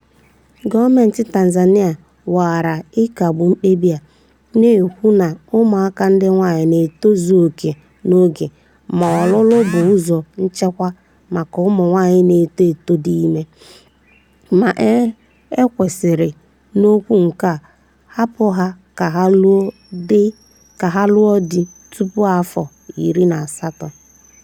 Gọọmentị Tanzania nwara ịkagbu mkpebi a, na-ekwu na ụmụaka ndị nwaanyị na-etozu oke n'oge ma ọlụlụ bụ ụzọ nchekwa maka ụmụ nwaanyị na-eto eto dị ime, ma e kwesịrị, n'okwu nke a, hapụ ha ka ha lụọ di tupu afọ 18.